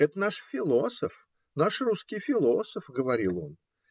"Это наш философ, наш русский философ", - говорил он.